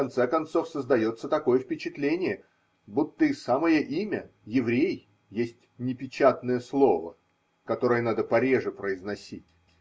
в конце концов, создается такое впечатление, будто и самое имя еврей есть непечатное слово, которое надо пореже произносить.